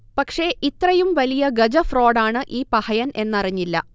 പക്ഷേ ഇത്രയും വലിയ ഗജഫ്രോഡാണ് ഈ പഹയൻ എന്നറിഞ്ഞില്ല